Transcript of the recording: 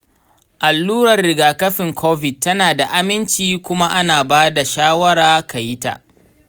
allurar rigakafin covid tana da aminci kuma ana ba da shawarar ka yi ta.